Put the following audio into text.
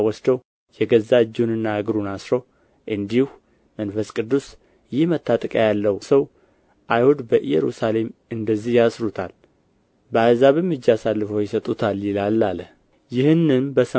ወስዶ የገዛ እጁንና እግሩን አስሮ እንዲሁ መንፈስ ቅዱስ ይህ መታጠቂያ ያለውን ሰው አይሁድ በኢየሩሳሌም እንደዚህ ያስሩታል በአሕዛብም እጅ አሳልፈው ይሰጡታል ይላል አለ ይህንም